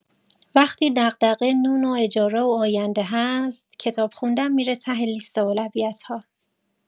وقتی دغدغه نون و اجاره و آینده هست، کتاب خوندن می‌ره ته لیست اولویت‌ها.